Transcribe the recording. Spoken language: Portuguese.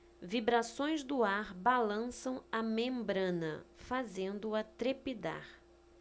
vibrações do ar balançam a membrana fazendo-a trepidar